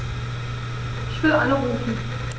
Ich will anrufen.